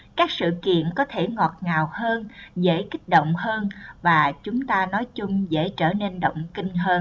các sự kiện có thể ngọt ngào hơn dễ kích động hơn và chúng ta nói chung dễ trở nên động kinh hơn